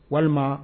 Walima